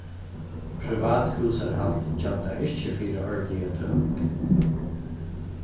privat húsarhald gjalda ikki fyri árliga tøming